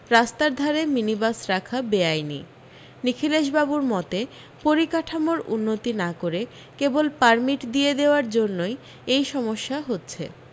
রাস্তার ধারে bus minibus রাখা বেআইনি নিখিলেশবাবুর মতে পরিকাঠামোর উন্নতি না করে কেবল পারমিট দিয়ে দেওয়ার জন্যই এই সমস্যা হচ্ছে